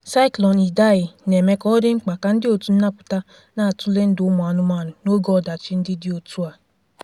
Cyclone Idai na-eme ka ọ dị mkpa ka ndị otu nnapụta na-atụle ndụ ụmụ anụmanụ n'oge ọdachi ndị dị otú a.